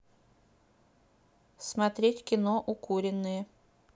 смотреть кино укуренные